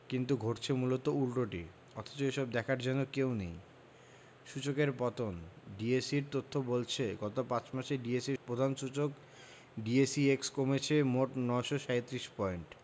কিন্তু ঘটছে মূলত উল্টোটি অথচ এসব দেখার যেন কেউ নেই সূচকের পতন ডিএসইর তথ্য বলছে গত ৫ মাসে ডিএসইর প্রধান সূচক ডিএসইএক্স কমেছে মোট ৯৩৭ পয়েন্ট